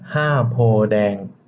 ห้าโพธิ์แดง